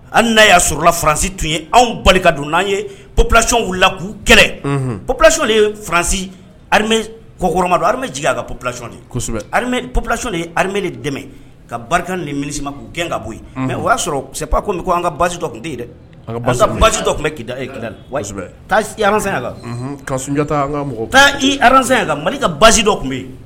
An n'a y'a sɔrɔla faransi tun ye anw bali dun n'an ye pplatiɔnw la k'u kɛlɛ plasi de yeransi koma bɛ jigin a ka platiɔn de plasi de ye de dɛmɛ ka barika ni mini ma k'u gɛn ka bɔ yen mɛ o y'a sɔrɔ se an ka basi dɔ tun ten yen dɛsa basi dɔ tun bɛzyanga ka sunjata taazyanga mali ka basi dɔ tun bɛ yen